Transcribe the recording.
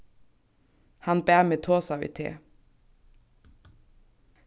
hann bað meg tosa við teg